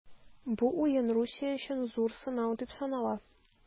Бу уен Русия өчен зур сынау дип санала.